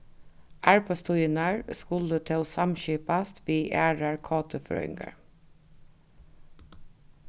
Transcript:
arbeiðstíðirnar skulu tó samskipast við aðrar kt-frøðingar